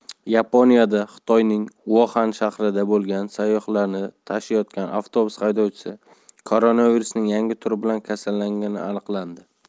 yaponiyada xitoyning uxan shahridan bo'lgan sayyohlarni tashiyotgan avtobus haydovchisi koronavirusning yangi turi bilan kasallangani aniqlandi